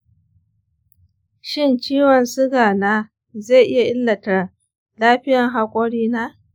shin ciwon siga na zai iya illatar lafiyan haƙori na?